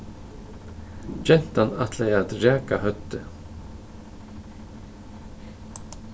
gentan ætlaði at raka høvdið